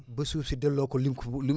ba suuf si delloo ko li mu ko fa li mu